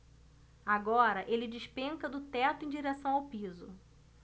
agora ele despenca do teto em direção ao piso